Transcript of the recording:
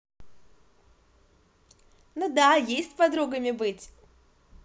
ну да есть с подругами быть